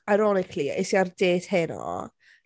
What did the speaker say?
Ironically es i ar dêt heno.